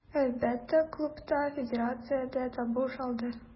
Әлбәттә, клуб та, федерация дә табыш алды.